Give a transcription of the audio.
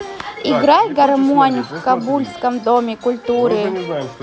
играй гармонь в кабульском доме культуры